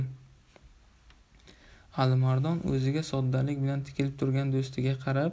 alimardon o'ziga soddalik bilan tikilib turgan do'stiga qarab